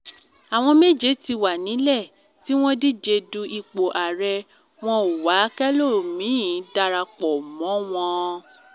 ”Àwọn méje ti wà nílẹ̀, tí wọ́n dìje du ipò ààrẹ. Wọn ‘ò wa kẹ́lòmíì darapọ̀ mọ́ wọn.